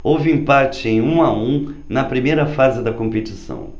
houve empate em um a um na primeira fase da competição